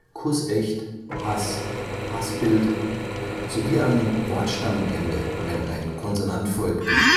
Kuß, kußecht, Paß, Paßbild sowie am Wortstammende, wenn ein Konsonant folgte